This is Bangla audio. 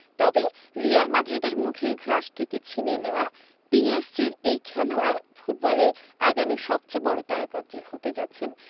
তবে রিয়াল মাদ্রিদের মুখে গ্রাস থেকে ছিনিয়ে নেওয়া পিএসজির এই খেলোয়াড় ফুটবলে আগামীর সবচেয়ে বড় তারকা যে হতে যাচ্ছেন